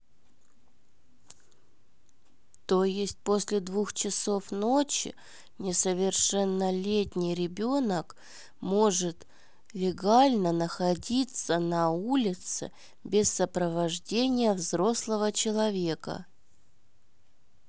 то есть после двух часов ночи несовершеннолетний ребенок может легально находиться на улице без сопровождения взрослого человека